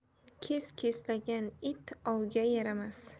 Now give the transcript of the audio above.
kes keslagan it ovga yaramas